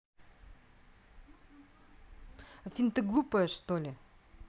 афина ты глупая что ли